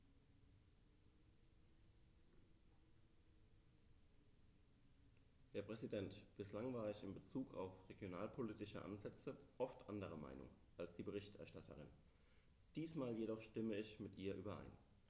Herr Präsident, bislang war ich in bezug auf regionalpolitische Ansätze oft anderer Meinung als die Berichterstatterin, diesmal jedoch stimme ich mit ihr überein.